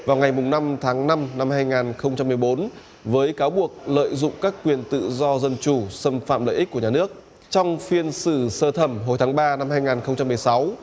vào ngày mùng năm tháng năm năm hai ngàn không trăm mười bốn với cáo buộc lợi dụng các quyền tự do dân chủ xâm phạm lợi ích của nhà nước trong phiên xử sơ thẩm hồi tháng ba năm hai ngàn không trăm mười sáu